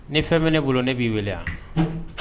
Ni fɛn bɛ ne bolo ne b'i wele a